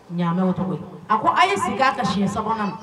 Ɲamɛ ye, a ko a ye segin a ka ka siɲɛ3 nan na